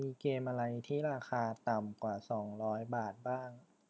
มีเกมอะไรที่ราคาต่ำกว่าสองร้อยบาทบ้าง